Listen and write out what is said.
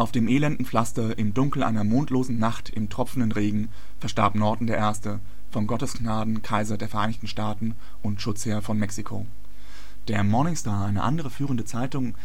dem elenden Pflaster, im Dunkel einer mondlosen Nacht im tropfenden Regen..., verstarb Norton I., von Gottes Gnaden Kaiser der Vereinigten Staaten und Schutzherr von Mexiko “. Der Morning Star, eine andere führende Zeitung